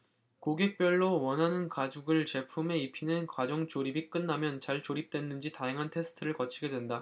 고객별로 원하는 가죽을 제품에 입히는 과정 조립이 끝나면 잘 조립 됐는지 다양한 테스트를 거치게 된다